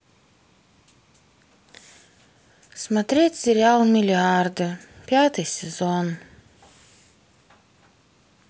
смотреть сериал миллиарды пятый сезон